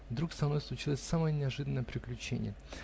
Вдруг со мной случилось самое неожиданное приключение.